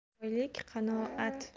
asl boylik qanoat